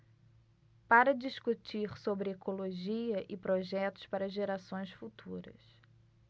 para discutir sobre ecologia e projetos para gerações futuras